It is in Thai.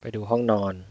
ไปดูห้องนอน